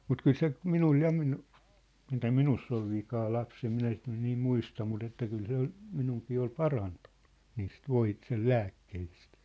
mutta kyllä se minulle ja - mitä minussa oli vikaa lapsena minä sitä nyt niin muista mutta että kyllä se oli minunkin oli parantunut niistä - sen lääkkeistä